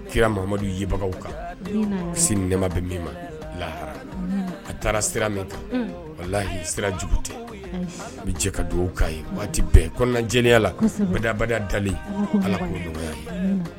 Kiramadu yebagaw kan sini nɛma bɛ min ma lahara a taara sira nata lahiyi sira jugu tɛ u bɛ jɛ ka dugawu' ye waati bɛɛ kɔnɔnajɛya la u bɛ dabali dalen ala k'o ɲɔgɔnya ye